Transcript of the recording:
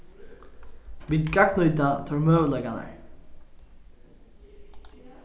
vit gagnnýta teir møguleikarnar